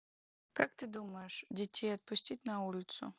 как ты думаешь детей отпустить на улицу